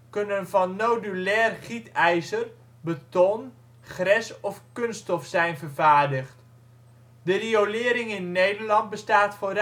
kunnen van nodulair gietijzer, beton, gres of kunststof zijn vervaardigd. De riolering in Nederland bestaat voor